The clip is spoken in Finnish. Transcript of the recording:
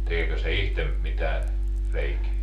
tekeekö se itse mitään reikiä